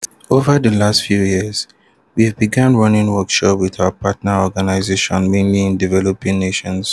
Over the last few years, we began running workshops with our partner organizations, mainly in developing nations.